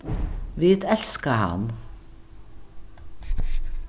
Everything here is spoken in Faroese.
vit elska hann